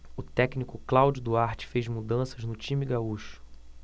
o técnico cláudio duarte fez mudanças no time gaúcho